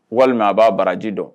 Walima a b'a baraji dɔn